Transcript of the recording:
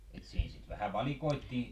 että siinä sitten vähän valikoitiin